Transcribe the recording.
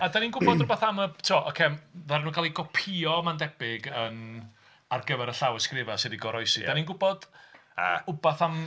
A dan ni'n gwybod rwbath am... ti'go, ocê ddaru nhw cael eu gopïo mae'n debyg yym ar gyfer y llawysgrifau sydd 'di goroesi. Dan ni'n gwybod rywbeth am...